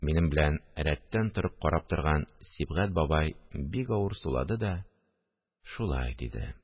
Минем белән рәттән торып карап торган Сибгать бабай бик авыр сулады да: – Шулай! – диде